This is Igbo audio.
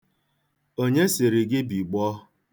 Onye sịrị gị bigbọọ?